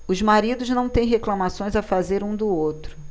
os maridos não têm reclamações a fazer um do outro